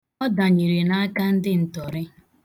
Ọ danyere n'aka ndị ntọrị.